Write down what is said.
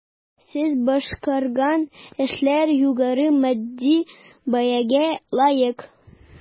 Сез башкарган эшләр югары матди бәягә лаек.